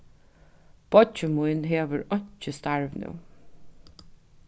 beiggi mín hevur einki starv nú